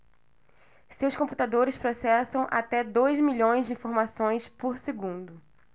seus computadores processam até dois milhões de informações por segundo